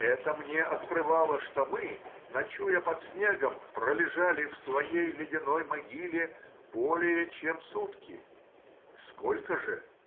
Это мне открывало, что мы, ночуя под снегом, пролежали в своей ледяной могиле более чем сутки!. Сколько же?